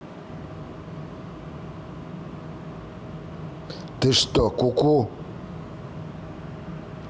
ты что ку ку